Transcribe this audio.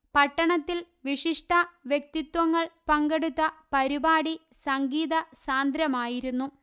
പട്ടണത്തിൽ വിശിഷ്ട വ്യക്തിത്വങ്ങൾ പങ്കെടുത്ത പരിപാടി സംഗീത സാന്ദ്രമായിരുന്നു